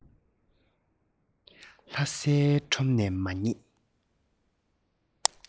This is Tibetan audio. ལྷ སའི ཁྲོམ ནས མི རྙེད